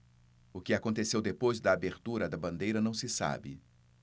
o que aconteceu depois da abertura da bandeira não se sabe